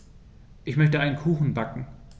Ich möchte einen Kuchen backen.